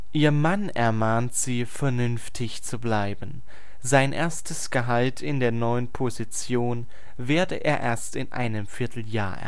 Ihr Mann ermahnt sie, vernünftig zu bleiben: Sein erstes Gehalt in der neuen Position werde er erst in einem Vierteljahr